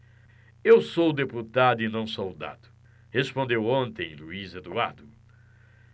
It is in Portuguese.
eu sou deputado e não soldado respondeu ontem luís eduardo